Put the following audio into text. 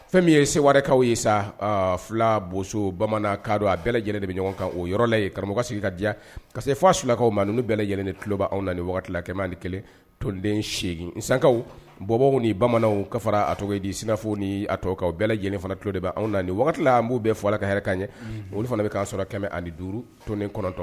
Fɛn min ye sewakaw ye sa fila boso bamanan ka don a bɛɛ lajɛlen de bɛ ɲɔgɔn kan o yɔrɔ la ye karamɔgɔ sigi ka diya ka fɔ sulakaw ma nu bɛɛ lajɛlen ni tuloba anw na kɛmɛ ni kelen tonden8egin san bɔ ni bamanan ka fara a cogo di sinafɔ ni tɔ u bɛɛ lajɛlen fana tulo de' anw na wagati an b'u bɛɛ fɔ a la ka hɛrɛ ka ɲɛ olu fana bɛ'a sɔrɔ kɛmɛ ani duuru tonden kɔnɔntɔn